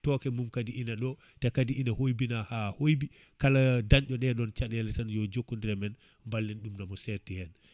tooke mum kadi ina ɗo te kadi ina hoybina ha hoybi kala dañɗo ɗeɗon caɗele tan yo jokkodir e men ballen ɗum nomo serti hen